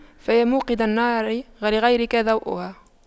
فيا موقدا نارا لغيرك ضوؤها